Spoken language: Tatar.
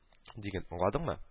Диген, аңладыңмы